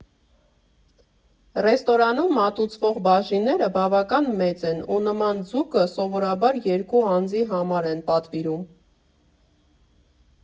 Ռեստորանում մատուցվող բաժինները բավական մեծ են, ու նման ձուկը սովորաբար երկու անձի համար են պատվիրում։